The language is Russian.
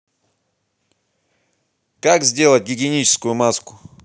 как сделать гигиеническую маску